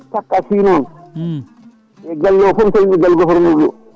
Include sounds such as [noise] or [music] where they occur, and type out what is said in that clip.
Takka Sy noon [smacks lips] e galle foof mi salmini galle *